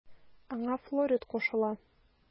Аңа Флорид кушыла.